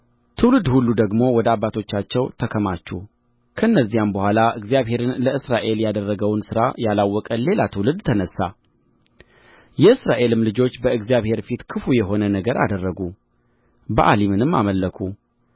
ትውልድ ሁሉ ደግሞ ወደ አባቶቻቸው ተከማቹ ከእነዚያም በኋላ እግዚአብሔርን ለእስራኤልም ያደረገውን ሥራ ያላወቀ ሌላ ትውልድ ተነሣ የእስራኤልም ልጆች በእግዚአብሔር ፊት ክፉ የሆነ ነገር አደረጉ በኣሊምንም አመለኩ